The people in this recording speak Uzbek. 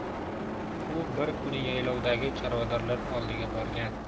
u bir kuni yaylovdagi chorvadorlar oldiga borgan